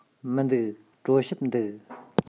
མི འདུག གྲོ ཞིབ འདུག